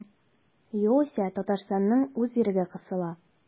Югыйсә Татарстанның үз иреге кысыла.